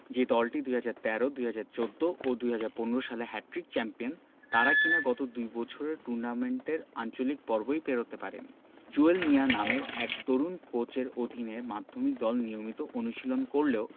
যে দলটি ২০১৩ ২০১৪ ও ২০১৫ সালে হ্যাটট্রিক চ্যাম্পিয়ন তারা কিনা গত দুই বছরে টুর্নামেন্টের আঞ্চলিক পর্বই পেরোতে পারেনি জুয়েল মিয়া নামের এক তরুণ কোচের অধীনে মাধ্যমিক দল নিয়মিত অনুশীলন করলেও